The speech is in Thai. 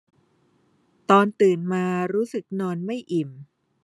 ตอนตื่นมารู้สึกนอนไม่อิ่ม